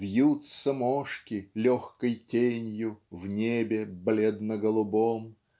Вьются мошки легкой тенью В небе бледно-голубом.